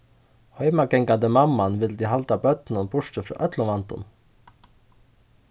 heimagangandi mamman vildi halda børnunum burtur frá øllum vandum